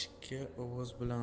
ingichka ovoz bilan